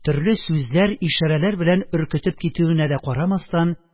Төрле сүзләр-ишарәләр белән өркетеп китүенә дә карамастан